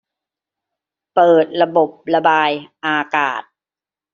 เปิดระบบระบายอากาศ